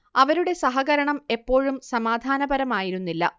അവരുടെ സഹകരണം എപ്പോഴും സമാധാനപരമായിരുന്നില്ല